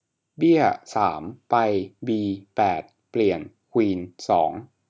เบี้ยสามไปบีแปดเปลี่ยนควีนสอง